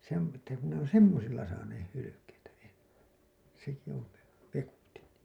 se on että kun ne on semmoisilla saaneet hylkeitä ennen sekin on - vekotin